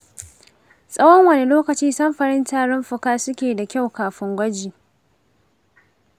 tsawon wane lokaci samfuran tarin fuka suke da kyau kafin gwaji?